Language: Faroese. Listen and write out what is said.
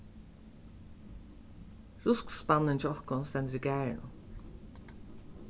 ruskspannin hjá okkum stendur í garðinum